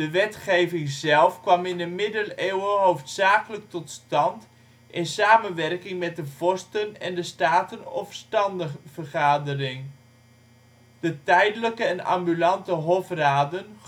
wetgeving zelf kwam in de middeleeuwen hoofdzakelijk tot stand in samenwerking van de vorsten en de staten - of standenvergadering. De tijdelijke en ambulante hofraden